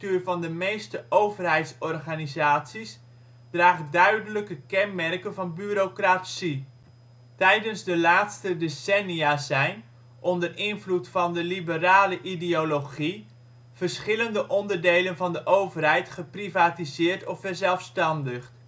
van de meeste overheidsorganisaties draagt duidelijke kenmerken van Bureaucratie. Tijdens de laatste decennia zijn, onder invloed van de (neo) liberale ideologie, verschillende onderdelen van de overheid geprivatiseerd of verzelfstandigd